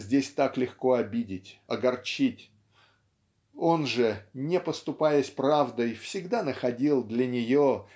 Здесь так легко обидеть, огорчить он же не поступаясь правдой всегда находил для нее